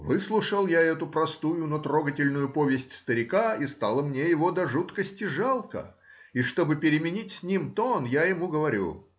Выслушал я эту простую, но трогательную повесть старика, и стало мне его до жуткости жалко, и чтобы переменить с ним тон, я ему говорю